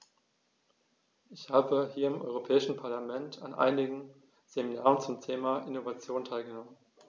Ich habe hier im Europäischen Parlament an einigen Seminaren zum Thema "Innovation" teilgenommen.